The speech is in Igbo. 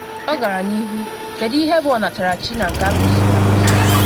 Ọ gara n’ihu: ‘Kedu ihe bụ ọnatarachi na nke akuziri akuzi?